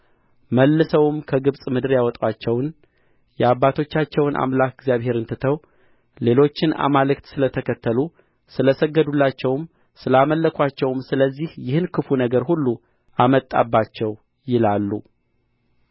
መልሰውም ከግብጽ ምድር ያወጣቸውን የአባቶቻቸውን አምላክ እግዚአብሔርን ትተው ሌሎችን አማልክት ስለ ተከተሉ ስለ ሰገዱላቸውም ስለ አመለኩአቸውም ስለዚህ ይህን ክፉ ነገር ሁሉ አመጣባቸው ይላሉ